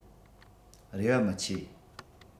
རེ བ མི ཆེ